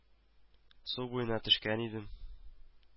Су буена төшкән идем